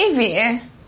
I fi